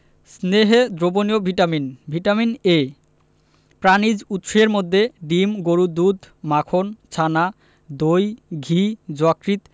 স্নেহে দ্রবণীয় vitamin vitamin A প্রাণিজ উৎসের মধ্যে ডিম গরুর দুধ মাখন ছানা দই ঘি যকৃৎ